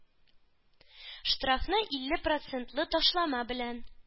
Штрафны илле процентлы ташлама белән,